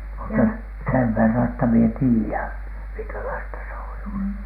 mutta sen verran että minä tiedän minkälaista se on ollut